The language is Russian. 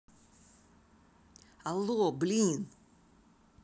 алло блин